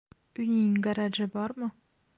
uyning garaji bormi